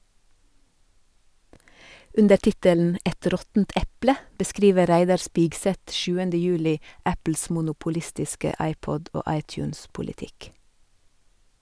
Under tittelen «Et råttent eple» beskriver Reidar Spigseth 7. juli Apples monopolistiske iPod- og iTunes-politikk.